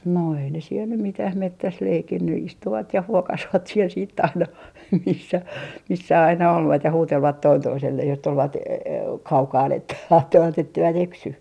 no ei ne siellä nyt mitään metsässä leikkinyt istuvat ja huokasivat siellä sitten aina missä missä aina olivat ja huutelivat toinen toiselleen jos tulivat - kaukana että katsoivat että eivät eksy